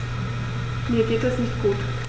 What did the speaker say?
Mir geht es nicht gut.